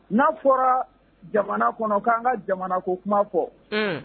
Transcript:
N'a fɔra jamana kɔnɔ ko'an ka jamana ko kuma kɔ